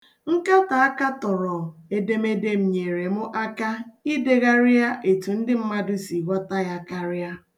Nkatọ ha katọrọ edemede m nyeere m aka idegharị ya etu ndị mmadụ si ghọta ya karịa.